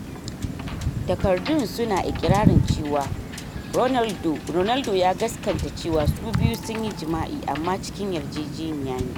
Takardun su na ikirari cewa Ronaldo ya gasganta cewa su biyun sun yi jima’i, amma cikin yarjejeniya ne.